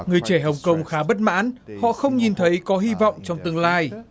người trẻ hồng công khá bất mãn họ không nhìn thấy có hy vọng trong tương lai